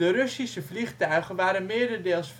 Russische vliegtuigen waren merendeels